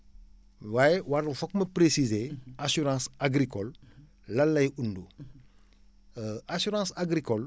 waaye wàllu foog ma préciser assurance agricole lan lay undu assurance agricole